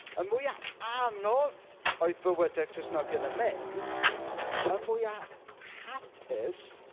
Y mwya anodd oedd bywydau Cristnogion yn mynd y mwya hapus...